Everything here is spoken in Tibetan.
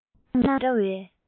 བསམ སྣང མི འདྲ བའི